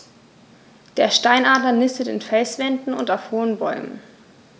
Der Steinadler nistet in Felswänden und auf hohen Bäumen.